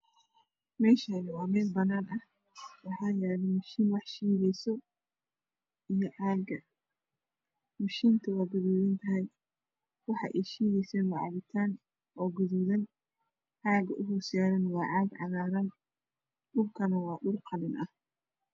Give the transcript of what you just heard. Meshan waa mel banan ah waxa yalo mashiin wax shiideso iyo caga mashintu way bulugantahay Waxa shiidesa cabitan gadudan caga hosyalo wa cag cagaran dhulkane waa dhul Qalin ah